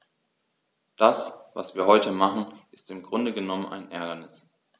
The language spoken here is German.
Das, was wir heute machen, ist im Grunde genommen ein Ärgernis.